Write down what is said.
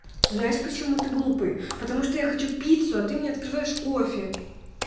знаешь почему ты глупый потому что я хочу пиццу а ты мне открываешь кофе